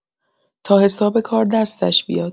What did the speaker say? تا حساب کار دستش بیاد.